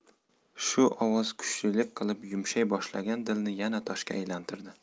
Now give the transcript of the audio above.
shu ovoz kuchlilik qilib yumshay boshlagan dilni yana toshga aylantirdi